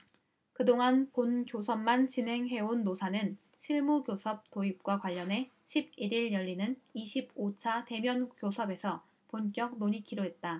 그 동안 본교섭만 진행해온 노사는 실무교섭 도입과 관련해 십 일 일 열리는 이십 오 차 대면교섭에서 본격 논의키로 했다